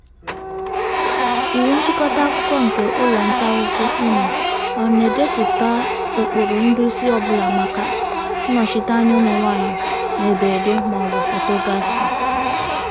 Iwu nchịkọta akụkọ nke ụlọ ntaakụkọ unu ọ na-edepụta ụkpụrụ nduzi ọbụla maka nnọchite anya ụmụnwaanyị n'ederede maọbụ foto gasị?